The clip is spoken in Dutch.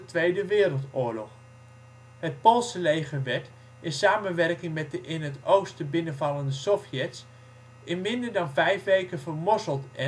Tweede Wereldoorlog. Het Poolse leger werd, in samenwerking met de in het Oosten binnenvallende Sovjets, in minder dan vijf weken vermorzeld